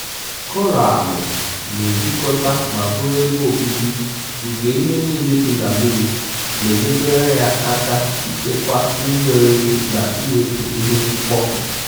Koraalụ na-ebikọta ma bụrụ ebe obibi nke ihe nille bị na mmiri na-enyekwara ya aka ịchekwa nri oriri na iwepụ ihe mkpofu.